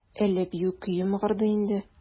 Әллә бию көе мыгырдый инде?